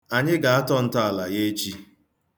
Anyị ga-atọ ntọala ya echi.